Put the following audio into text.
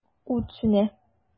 Ут сүнә.